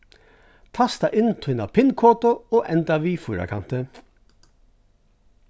tasta inn tína pin-kodu og enda við fýrakanti